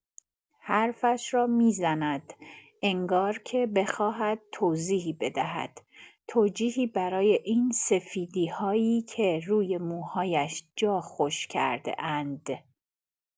حرفش را می‌زند، انگار که بخواهد توضیحی بدهد، توجیهی برای این سفیدی‌هایی که روی موهایش جا خوش کرده‌اند.